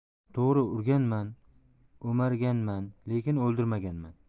to'g'ri urganman o'marganman lekin o'ldirmaganman